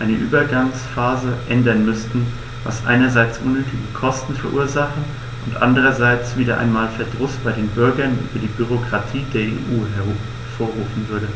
eine Übergangsphase, ändern müssten, was einerseits unnötige Kosten verursachen und andererseits wieder einmal Verdruss bei den Bürgern über die Bürokratie der EU hervorrufen würde.